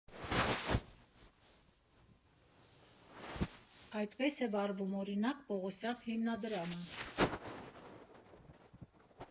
Այդպես է վարվում, օրինակ, Պողոսյան հիմնադրամը։